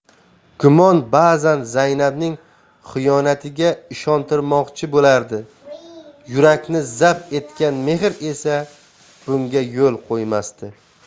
gumon ba'zan zaynabning xiyonatiga ishontirmoqchi bo'lardi yurakni zabt etgan mehr esa bunga yo'l qo'ymasdi